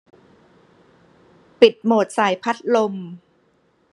ปิดโหมดส่ายพัดลม